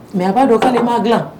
Mɛ a b'a dɔn k'ale ma dilan